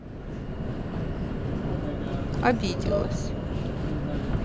обиделась